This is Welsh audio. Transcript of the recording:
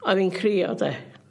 o'dd 'i'n crio 'de.